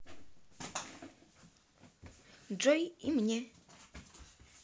джой и мне